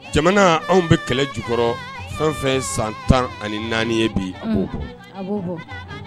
Jamana anw bɛ kɛlɛ jukɔrɔ fɛn fɛn san tan ani naani bi